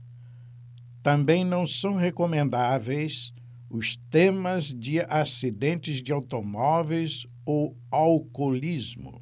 também não são recomendáveis os temas de acidentes de automóveis ou alcoolismo